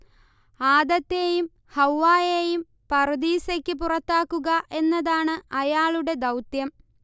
ആദത്തേയും ഹവ്വായേയും പറുദീസയ്ക്ക് പുറത്താക്കുക എന്നതാണ് അയാളുടെ ദൗത്യം